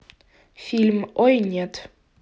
фильм ой нет